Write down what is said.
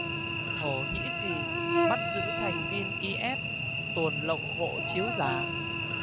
thổ nhĩ kỳ bắt giữ thành viên i s tuồn lậu hộ chiếu giả